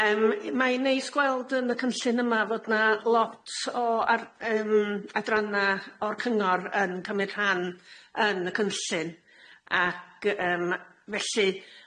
Yym mae'n neis gweld yn y cynllun yma fod 'na lot o- ar- yym adrana o'r cyngor yn cymryd rhan yn y cynllun ac yym felly